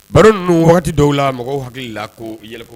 Baro ninnu dɔw la mɔgɔw hakili la koy